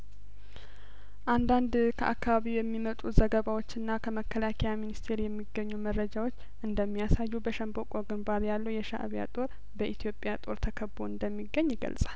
አንዳንድ ከአካባቢው የሚመጡ ዘገባዎችና ከመከላከያ ሚኒስቴር የሚገኙ መረጃዎች እንደሚያሳዩ በሸንበቆ ግንባር ያለው የሻእቢያ ጦር በኢትዮጵያ ጦር ተከቦ እንደሚገኝ ይገልጻል